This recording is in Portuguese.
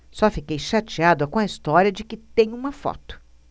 só fiquei chateada com a história de que tem uma foto